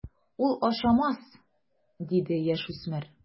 Ул ашамас, - диде яшүсмер.